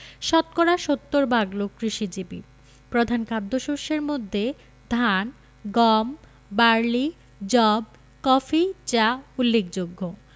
শতকরা ৭০ ভাগ লোক কৃষিজীবী প্রধান খাদ্যশস্যের মধ্যে ধান গম বার্লি যব কফি চা উল্লেখযোগ্য